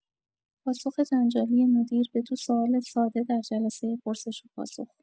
پاسخ جنجالی مدیر به دو سوال ساده در جلسه پرسش و پاسخ